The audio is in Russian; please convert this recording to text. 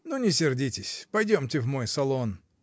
— Ну, не сердитесь: пойдемте в мой салон.